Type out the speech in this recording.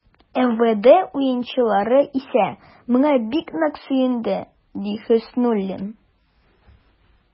МВД уенчылары исә, моңа бик нык сөенде, ди Хөснуллин.